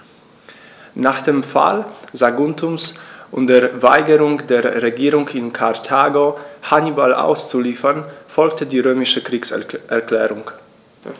Nach dem Fall Saguntums und der Weigerung der Regierung in Karthago, Hannibal auszuliefern, folgte die römische Kriegserklärung.